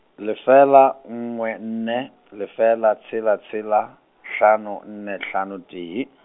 lefela nngwe nne, lefela tshela tshela, hlano nne hlano tee.